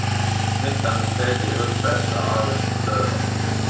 smittan er serliga útbreidd á ávísum støðum